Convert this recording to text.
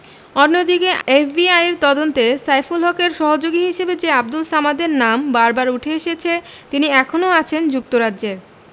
অন্যদিকে এফবিআইয়ের তদন্তে সাইফুল হকের সহযোগী হিসেবে যে আবদুল সামাদের নাম বারবার উঠে এসেছে তিনি এখনো আছেন যুক্তরাজ্যে